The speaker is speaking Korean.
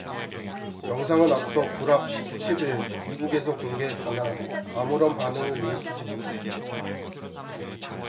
영상은 앞서 구랍 십 칠 일 미국에서 공개했으나 아무런 반응을 일으키지 못했다